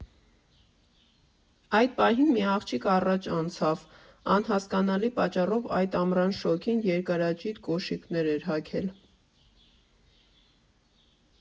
Այդ պահին մի աղջիկ առաջ անցավ՝ անհասկանալի պատճառով այդ ամռան շոգին երկարաճիտ կոշիկներ էր հագել։